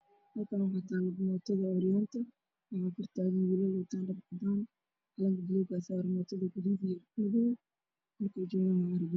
Halkaan waxaa taalo mooto waxaa kor taagan dhar cadaan ah, calan buluug ah ayaa saaran mootadu waa buluug iyo madow meesha ay taalo waa jaale.